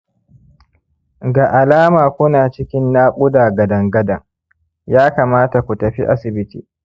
ga alama ku na cikin naƙuda gadan-gadan, ya kamata ku tafi asibiti